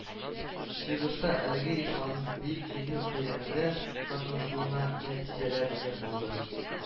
Җыелышта әлеге оешманың Бөек Җиңү бәйрәмендә катнашуына нәтиҗәләр ясалды